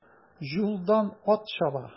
Юлдан ат чаба.